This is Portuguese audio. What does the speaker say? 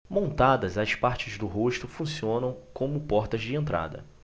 montadas as partes do rosto funcionam como portas de entrada